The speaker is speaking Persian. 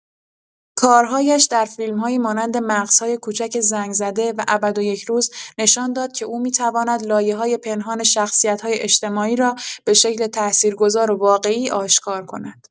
کارهایش در فیلم‌هایی مانند مغزهای کوچک زنگ‌زده و ابد و یک روز نشان داد که او می‌تواند لایه‌های پنهان شخصیت‌های اجتماعی را به شکل تأثیرگذار و واقعی آشکار کند.